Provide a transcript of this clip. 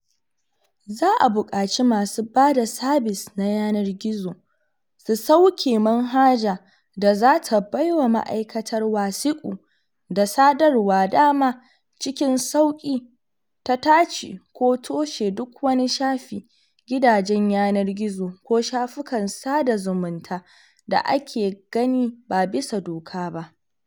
Za a buƙaci masu ba da sabis na yanar gizo su sauƙe manhaja da za ta bai wa Ma’aikatar Wasiƙu da Sadarwa dama “cikin sauƙi ta tace ko toshe duk wani shafi, gidajen yanar gizo ko shafukan sada zumunta da ake gani ba bisa doka ba.”